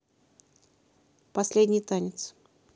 последний танец